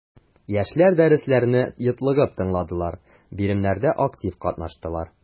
Яшьләр дәресләрне йотлыгып тыңладылар, биремнәрдә актив катнаштылар.